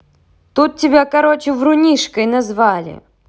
тут тебя короче врунишкой назвали